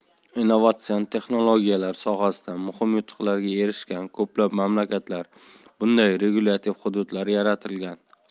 innovatsion texnologiyalar sohasida muhim yutuqlarga erishgan ko'plab mamlakatlarda bunday regulyativ hudud lar yaratilgan